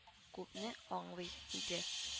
Күпне аңлый иде